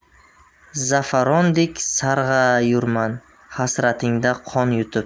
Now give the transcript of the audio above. zafarondek sarg'ayurman hasratingda qon yutib